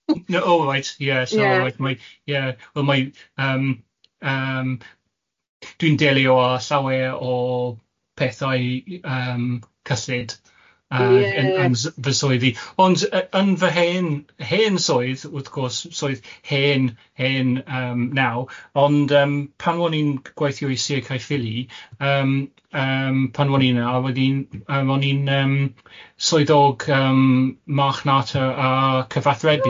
No oh right yeah so yeah well mae yym yym, dwi'n delio â llawer o pethau yym cyllid yy... Ie. ...yn yn s- fy swydd i ond yy yn fy hen hen swydd wrth gwrs swydd hen hen yym naw ond yym pan o'n i'n gweithio i Sir Caiffili yym yym pan o'n i'n arwad i'n yym ro'n i'n yym swyddog yym machnata a cyfathrebu.